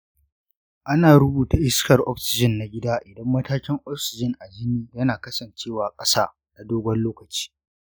ana rubuta iskar oxygen na gida idan matakin oxygen a jini yana kasancewa ƙasa na dogon lokaci.